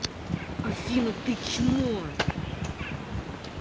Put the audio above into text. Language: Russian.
афина ты чмо